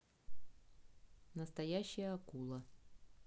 настоящая акула